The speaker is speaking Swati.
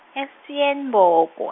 e- Steenbok oa-.